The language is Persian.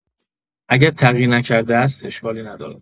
اگر تغییر نکرده است، اشکالی ندارد.